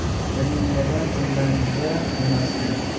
termilganing tilanganing emasmi